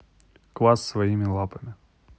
квас своими лапами